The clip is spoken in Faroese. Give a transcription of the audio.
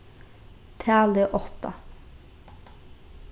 talið átta